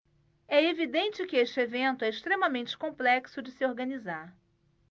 é evidente que este evento é extremamente complexo de se organizar